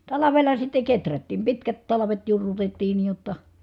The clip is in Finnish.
talvella sitten kehrättiin pitkät talvet jurrutettiin niin jotta